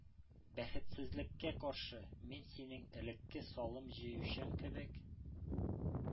Бәхетсезлеккә каршы, мин синең элекке салым җыючың кебек,